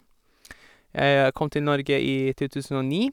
Jeg kom til Norge i to tusen og ni.